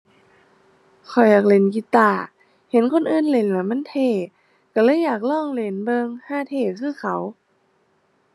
ข้อยอยากเล่นกีตาร์ เห็นคนอื่นเล่นแล้วมันเท่ ก็เลยอยากลองเล่นเบิ่ง ห่าเท่คือเขา